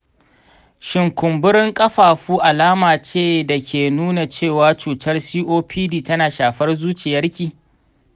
shin kumburin ƙafafu alama ce da ke nuna cewa cutar copd tana shafar zuciyarki ?